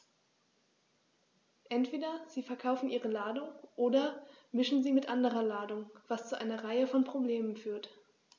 Entweder sie verkaufen ihre Ladung oder mischen sie mit anderer Ladung, was zu einer Reihe von Problemen führt.